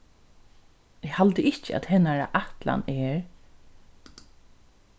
eg haldi ikki at hennara ætlan er